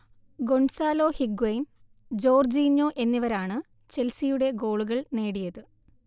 Gonzalo Higuain, Jorginho എന്നിവരാണ് ചെൽസിയുടെ ഗോളുകൾ നേടിയത്